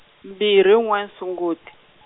mbirhi n'we Sunguti.